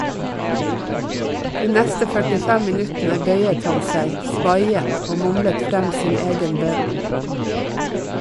De neste 45 minuttene bøyet han seg, svaiet og mumlet frem sin egen bønn.